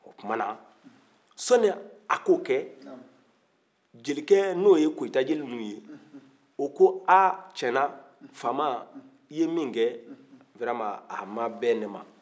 o tumana sanni a k'o kɛ jelikɛ n'o ye koyita jeli ninnu ye o ko aa tiɲɛna faama i ye min kɛ a ma bɛn ne ma